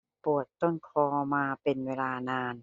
ปวดต้นคอมาเป็นเวลานาน